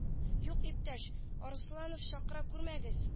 Юк иптәш арсланов чакыра күрмәгез